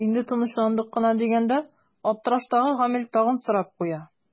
Инде тынычландык кына дигәндә аптыраштагы Гамил тагын сорап куя.